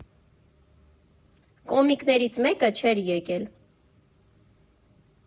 Կոմիկներից մեկը չէր եկել։